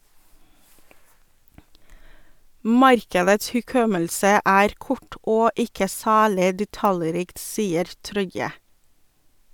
- Markedets hukommelse er kort og ikke særlig detaljrikt, sier Troye.